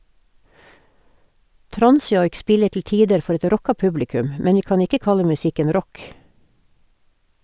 Transjoik spiller til tider for et rocka publikum, men vi kan ikke kalle musikken rock.